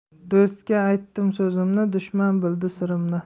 do'stga aytdim so'zimni dushman bildi sirimni